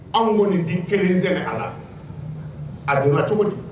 Anw kɔni nin di kelensɛ a la a donna cogo di